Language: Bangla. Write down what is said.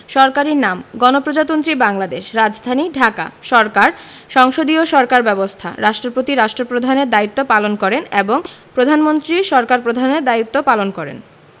সরকারি নামঃ গণপ্রজাতন্ত্রী বাংলাদেশ রাজধানীঃ ঢাকা সরকারঃ সংসদীয় সরকার ব্যবস্থা রাষ্ট্রপতি রাষ্ট্রপ্রধানের দায়িত্ব পালন করেন এবং প্রধানমন্ত্রী সরকার প্রধানের দায়িত্ব পালন করেন